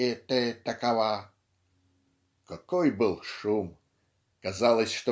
И ты такова!" Какой был шум! Казалось